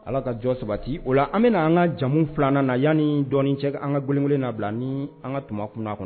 Ala ka jɔ sabati, o la an bɛna an ka jamu filanan na yanni dɔɔnin cɛ an ka an ka gwelen gwelen labila ni an ka tuma kun'a kɔnɔ.